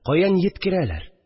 Каян йиткерәләр